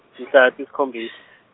mhla tisikhombisa.